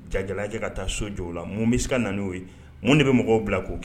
Jajajɛ ka taa so jo la mun bɛka na'o ye mun de bɛ mɔgɔw bila k'o kɛ